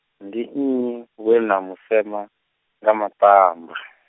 ndi nnyi, we na mu sema, nga maṱamba?